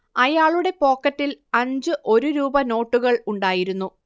അയാളുടെ പോക്കറ്റിൽ അഞ്ചു ഒരുരൂപ നോട്ടുകൾ ഉണ്ടായിരുന്നു